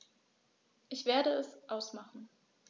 Ich werde es ausmachen